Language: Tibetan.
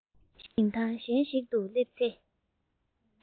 ཞིང ཐང གཞན ཞིག ཏུ སླེབས ཚེ